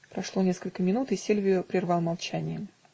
Прошло несколько минут, и Сильвио прервал молчание.